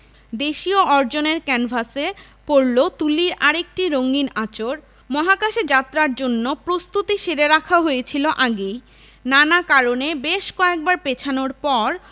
দেশীয় অর্জনের ক্যানভাসে পড়ল তুলির আরেকটি রঙিন আঁচড় মহাকাশে যাত্রার জন্য প্রস্তুতি সেরে রাখা হয়েছিল আগেই নানা কারণে বেশ কয়েকবার পেছানোর পর